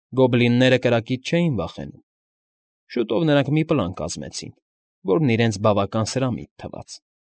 Գոբլինները կրակից չէին վախենում։ Շուտով նրանք մի պլան կազմեցին, որն իրենց բավական սրամիտ թվաց։